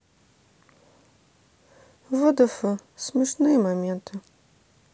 вдф смешные моменты